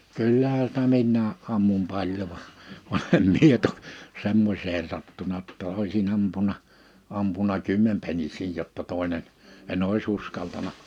kyllähän sitä minäkin ammuin paljon vaan vaan en minä toki semmoiseen sattunut jotta olisin ampunut ampunut kymmenpennisiä jotta toinen en olisi uskaltanut